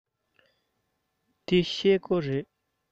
འདི ཤེལ སྒོ རེད